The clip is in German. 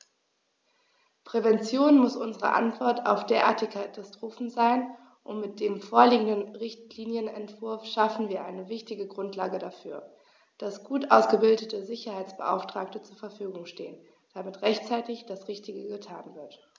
Prävention muss unsere Antwort auf derartige Katastrophen sein, und mit dem vorliegenden Richtlinienentwurf schaffen wir eine wichtige Grundlage dafür, dass gut ausgebildete Sicherheitsbeauftragte zur Verfügung stehen, damit rechtzeitig das Richtige getan wird.